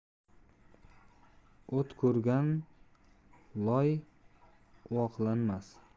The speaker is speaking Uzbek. qazisan qartasan asl zotingga tortasan